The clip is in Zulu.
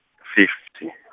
fifty.